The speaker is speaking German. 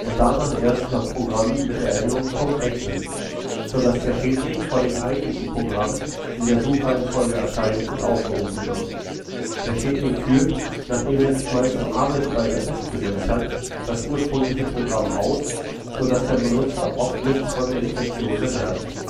“und danach erst nach Programmen mit der Endung „. exe “, so dass der Schädling vor dem eigentlichen Programm in der Suchreihenfolge erscheint und aufgerufen wird. Der Schädling führt, nachdem er sich meist im Arbeitsspeicher festgesetzt hat, das ursprüngliche Programm aus, so dass der Benutzer oft nichts von der Infektion bemerkt